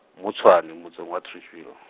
mo Tshwane motseng wa Atteridgeville.